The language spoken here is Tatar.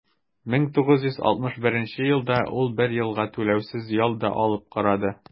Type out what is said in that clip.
1961 елда ул бер елга түләүсез ял да алып карады.